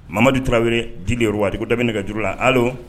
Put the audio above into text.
Mamaditura jiri ye waako da ka juru la ali